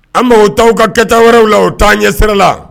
An' taa ka kɛta wɛrɛw la u taa an ɲɛ sira la